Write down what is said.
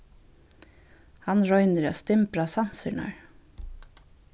hann roynir at stimbra sansirnar